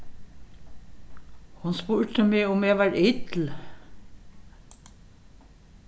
hon spurdi meg um eg var ill